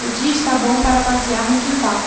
o dia está bom para passear no quintal